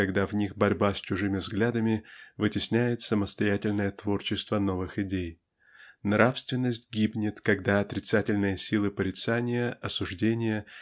когда в них борьба с чужими взглядами вытесняет самостоятельное творчество новых идей нравственность гибнет когда отрицательные силы порицания осуждения